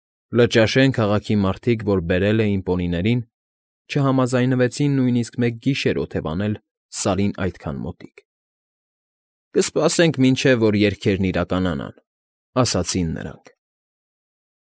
Լճաշեն քաղաքի մարդիկ, որ բերել էին պոնիներին, չհամաձայնվեցին նույնիսկ մեկ գիշեր օթևանել Սարին այդքան մոտիկ։ ֊ Կսպասենք, մինչև որ երգերն իրականանան,֊ ասացին նրանք։